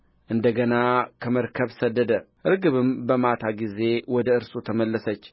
እንደ ገና ከመርከብ ሰደደ ርግብም በማታ ጊዜ ወደ እርሱ ተመለሰች